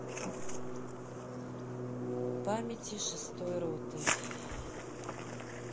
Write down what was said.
памяти шестой роты